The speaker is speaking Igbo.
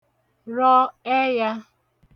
rọ ẹyā